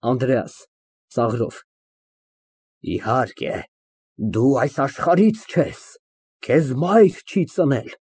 ԱՆԴՐԵԱՍ ֊ (Ծաղրով) Իհարկե, դու այս աշխարհից չես, քեզ մայր չի ծնել։